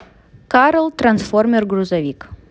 карл трансформер грузовик